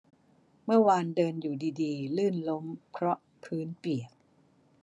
เมื่อวานเดินอยู่ดีดีลื่นล้มเพราะพื้นเปียก